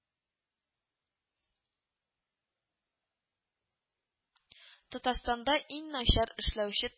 Татарстанда иң начар эшләүче